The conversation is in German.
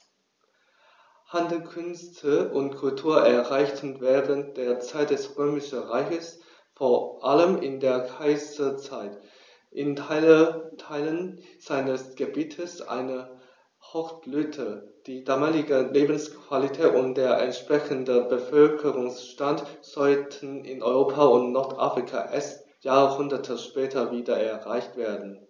Handel, Künste und Kultur erreichten während der Zeit des Römischen Reiches, vor allem in der Kaiserzeit, in Teilen seines Gebietes eine Hochblüte, die damalige Lebensqualität und der entsprechende Bevölkerungsstand sollten in Europa und Nordafrika erst Jahrhunderte später wieder erreicht werden.